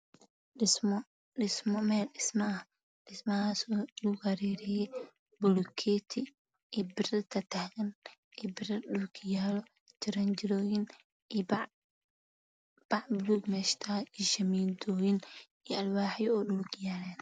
Dhismo lagu harewye bulukeeti biro dhulka yaa lo shamiito alwaaxyo dhulka yaalana